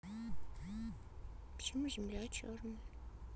почему земля черная